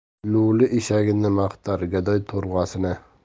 lo'li eshagini maqtar gadoy to'rvasini